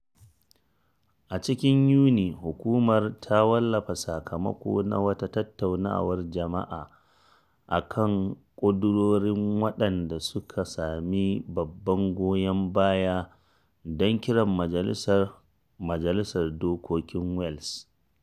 A cikin Yuni, Hukumar ta wallafa sakamako na wata tattaunawar jama’a a kan ƙudurorin waɗanda suka sami babban goyon baya don kiran majalisar Majalisar Dokokin Welsh.